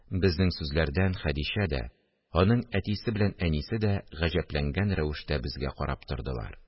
Безнең сүзләрдән Хәдичә дә, аның әтисе белән әнисе дә гаҗәпләнгән рәвештә безгә карап тордылар